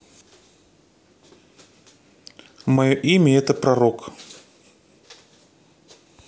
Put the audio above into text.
мое имя это пророк